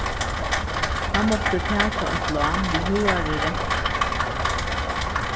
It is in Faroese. hann mátti taka eitt lán við høgari rentu